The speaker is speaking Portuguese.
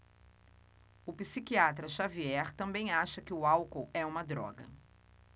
o psiquiatra dartiu xavier também acha que o álcool é uma droga